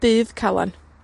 Dydd Calan.